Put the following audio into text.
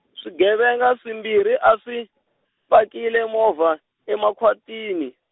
swigevenga swimbirhi a swi , pakile movha, emakhwatini.